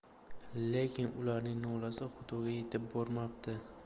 lekin ularning nolasi xudoga yetib bormabdi